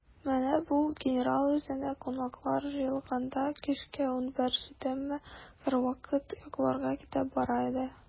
Менә бу генерал, үзенә кунаклар җыелганда, кичке унбер җиттеме, һәрвакыт йокларга китеп бара иде.